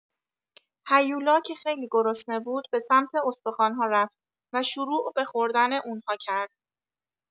هیولا که خیلی گرسنه بود، به سمت استخوان‌ها رفت و شروع به خوردن اون‌ها کرد.